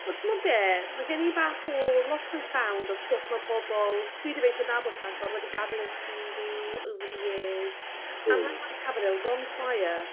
Wel timod be mae gen i bach o lost and found o stuff mae bobl, dwi ddim eisiau nabod rhagor wedi gadael yn tŷ fi over the years. ... O ...And I might have a little bonfire.